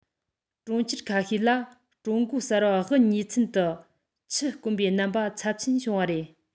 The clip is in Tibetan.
གྲོང ཁྱེར ཁ ཤས ལ ཀྲུང གོ གསར པ དབུ བརྙེས ཚུན དུ ཆུ དཀོན པའི རྣམ པ ཚབས ཆེན བྱུང བ རེད